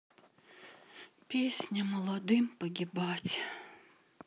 песня молодым погибать